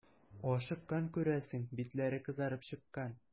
Ашыккан, күрәсең, битләре кызарып чыккан.